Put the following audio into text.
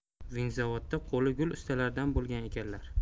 vinzavodda qo'li gul ustalardan bo'lgan ekanlar